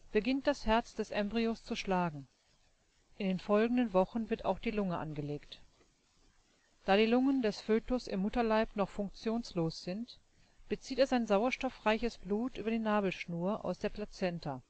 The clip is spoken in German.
beginnt das Herz des Embryos zu schlagen, in den folgenden Wochen wird auch die Lunge angelegt. Da die Lungen des Fötus im Mutterleib noch funktionslos sind, bezieht er sein sauerstoffreiches Blut über die Nabelschnur aus der Plazenta